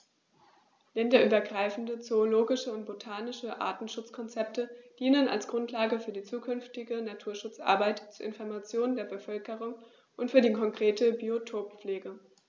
Länderübergreifende zoologische und botanische Artenschutzkonzepte dienen als Grundlage für die zukünftige Naturschutzarbeit, zur Information der Bevölkerung und für die konkrete Biotoppflege.